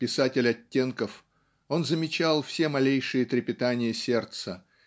Писатель оттенков, он замечал все малейшие трепетания сердца